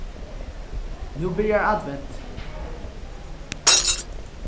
nú byrjar advent